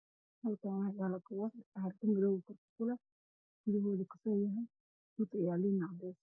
Halkaan waxaa yaalo galoofis oo xarko madow kujiraan, gudihiisa waa kafay dhulka uu yaalo waa cadeys.